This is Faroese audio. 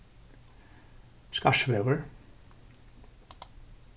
skarðsvegur